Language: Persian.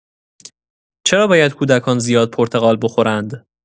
چرا باید کودکان زیاد پرتقال بخورند؟